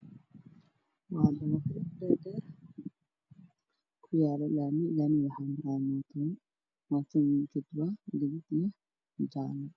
Waa dabaqyo dhaadheer oo ku yaallo laami laamiga waxa maraayo mootooyin mootada midabkeedu waa gaduud iyo jaallo